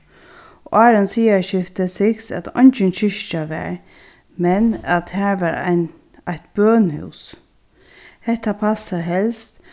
áðrenn siðaskifti sigst at eingin kirkja var men at har var ein eitt bønhús hetta passar helst